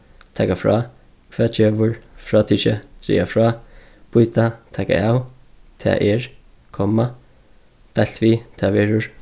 taka frá hvat gevur frátikið draga frá býta taka av tað er komma deilt við tað verður